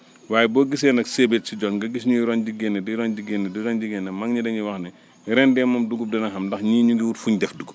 waaye boo gisee nag *** nga gis ñuy roñ di génne di roñ di génne di roñ di génne mag ñi dañuy wax ne ren de moom dugub dana am ndax ñii ñu ngi wut fuñ def dugub